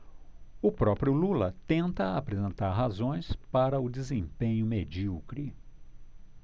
o próprio lula tenta apresentar razões para o desempenho medíocre